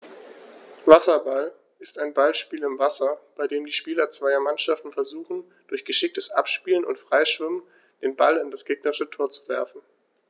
Wasserball ist ein Ballspiel im Wasser, bei dem die Spieler zweier Mannschaften versuchen, durch geschicktes Abspielen und Freischwimmen den Ball in das gegnerische Tor zu werfen.